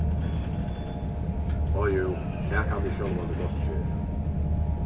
áh jú tað kann eg sjálvandi gott gera